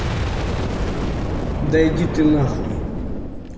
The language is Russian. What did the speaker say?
да иди ты нахуй